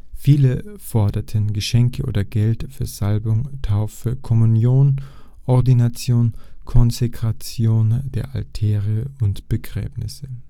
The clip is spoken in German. Viele forderten Geschenke oder Geld für Salbung, Taufe, Kommunion, Ordination, Konsekration der Altäre und Begräbnisse